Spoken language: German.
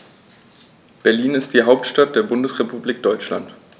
Berlin ist die Hauptstadt der Bundesrepublik Deutschland.